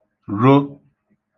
-ro